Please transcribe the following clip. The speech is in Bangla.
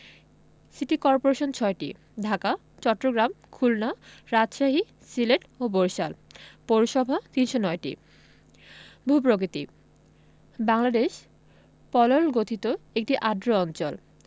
সিটি কর্পোরেশন ৬টি ঢাকা চট্টগ্রাম খুলনা রাজশাহী সিলেট ও বরিশাল পৌরসভা ৩০৯টি ভূ প্রকিতিঃ বাংলদেশ পলল গঠিত একটি আর্দ্র অঞ্চল